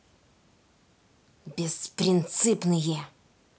беспринципные